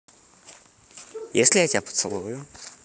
если я тебя поцелую